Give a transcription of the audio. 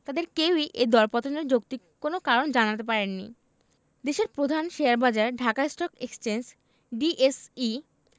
তাঁদের কেউই এ দরপতনের যৌক্তিক কোনো কারণ জানাতে পারেননি দেশের প্রধান শেয়ারবাজার ঢাকা স্টক এক্সচেঞ্জ ডিএসই